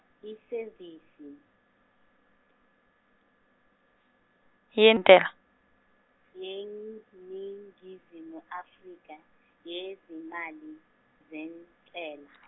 iSevisi, yeNingizimu Afrika yeZimali zeNtela .